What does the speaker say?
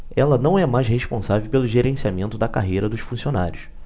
ela não é mais responsável pelo gerenciamento da carreira dos funcionários